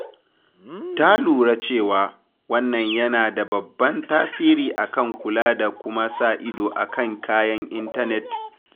Ta lura cewa, ''Wannan yana da babban tasiri a kan kula da kuma sa-ido a kan kayan intanet.